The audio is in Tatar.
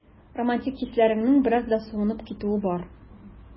Романтик хисләреңнең дә бераз суынып китүе бар.